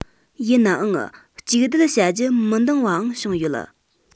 ཡིན ནའང གཅིག སྡུད བྱ རྒྱུ མི འདང བའང བྱུང ཡོད